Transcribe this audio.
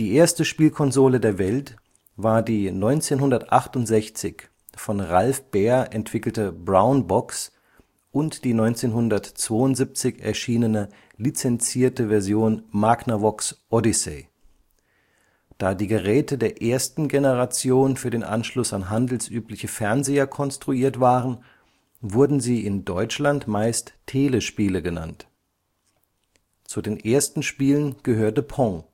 erste Spielkonsole der Welt war die 1968 von Ralph Baer entwickelte Brown Box und die 1972 erschienene lizenzierte Version Magnavox Odyssey. Da die Geräte der ersten Generation für den Anschluss an handelsübliche Fernseher konstruiert waren, wurden sie in Deutschland meist Telespiele genannt. Zu den ersten Spielen gehörte Pong